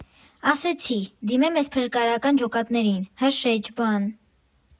Ասեցի՝ դիմեմ էս փրկարարական ջոկատներին, հրշեջ, բան։